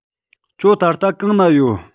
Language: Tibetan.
ཁྱོད ད ལྟ གང ན ཡོད